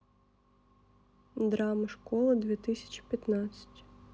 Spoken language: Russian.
драма школа две тысячи пятнадцать